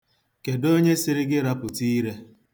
Kedụ onye siri gị rapụta ire?